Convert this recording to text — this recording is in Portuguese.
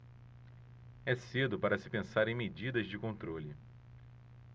é cedo para se pensar em medidas de controle